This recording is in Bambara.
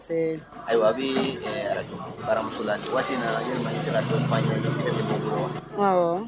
Parce ayiwa a bɛ araj baramuso la waati nana sera dɔ fa ye wa